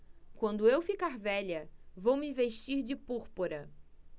quando eu ficar velha vou me vestir de púrpura